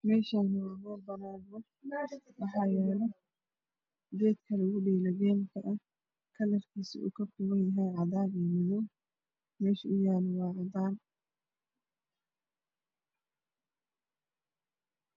Meeshaan waxaa yaalo geed kalarkiisu ka kooban yahay cadaan iyo gaduud waxaan ku ag yaalo geed kala